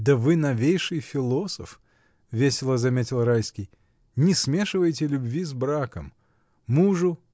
— Да вы новейший философ, — весело заметил Райский, — не смешиваете любви с браком: мужу.